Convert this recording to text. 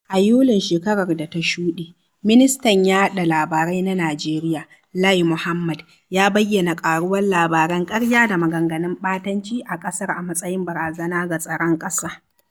A Yulin shekarar da ta shuɗe, ministan yaɗa labarai na Najeriya, Lai Mohammed, ya bayyana ƙaruwar labaran ƙarya da maganganun ɓatanci a ƙasar a matsayin barazana ga tsaron ƙasa.